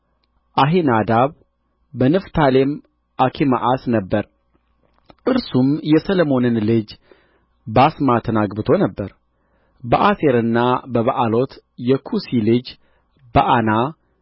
አሒናዳብ በንፍታሌም አኪማአስ ነበረ እርሱም የሰሎሞንን ልጅ ባስማትን አግብቶ ነበር በአሴርና በበዓሎት የኩሲ ልጅ በዓና